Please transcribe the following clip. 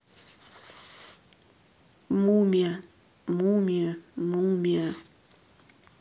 мумия мумия мумия